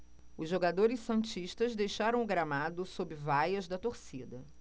os jogadores santistas deixaram o gramado sob vaias da torcida